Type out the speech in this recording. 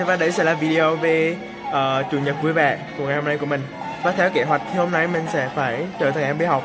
và đây là video về chủ nhật vui vẻ của ngày hôm nay của mình và theo kế hoạch thì hôm nay mình phải chở thằng em đi học